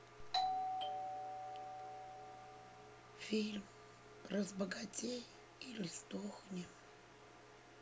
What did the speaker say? фильм разбогатей или сдохни